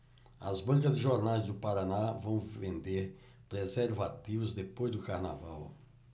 as bancas de jornais do paraná vão vender preservativos depois do carnaval